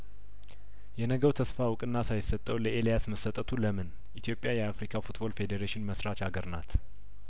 የነገው ተስፋ እውቅና ሳይሰጠው ለኤልያስ መሰጠቱ ለምን ኢትዮጵያ የአፍሪካ ፉትቦል ፌዴሬሽን መስራች ሀገርናት